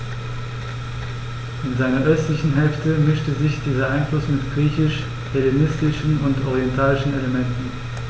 In seiner östlichen Hälfte mischte sich dieser Einfluss mit griechisch-hellenistischen und orientalischen Elementen.